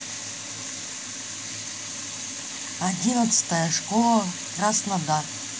одиннадцатая школа краснодар